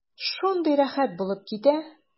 Шундый рәхәт булып китә.